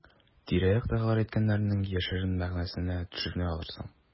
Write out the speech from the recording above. Тирә-яктагылар әйткәннәрнең яшерен мәгънәсенә төшенә алырсың.